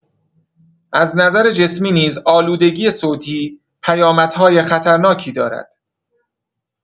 از نظر جسمی نیز آلودگی صوتی پیامدهای خطرناکی دارد.